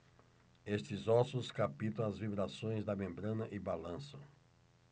estes ossos captam as vibrações da membrana e balançam